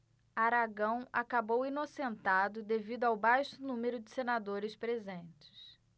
aragão acabou inocentado devido ao baixo número de senadores presentes